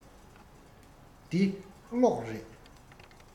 འདི གློག རེད